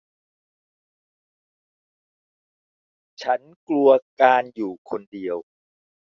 ฉันกลัวการอยู่คนเดียว